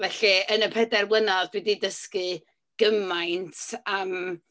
Felly, yn y pedair mlynedd dwi 'di dysgu gymaint am...